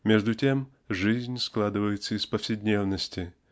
между тем жизнь складывается из повседневности